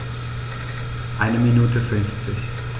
Eine Minute 50